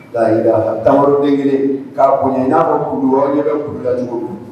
Jira tanden k'a kun n'a kougu yɛrɛ' la cogo